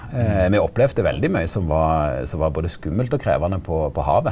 me opplevde veldig mykje som var som var både skummelt og krevjande på på havet.